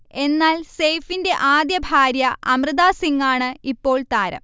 എന്നാൽ സെയ്ഫിൻറെ ആദ്യ ഭാര്യ അമൃത സിങ്ങാണ് ഇപ്പോൾ താരം